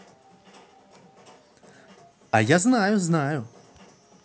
а я знаю знаю